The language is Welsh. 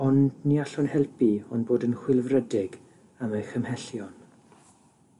Ond ni allwn helpu ond bod yn chwilfrydig am ei chymhellion.